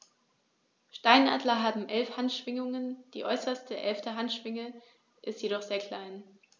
Steinadler haben 11 Handschwingen, die äußerste (11.) Handschwinge ist jedoch sehr klein.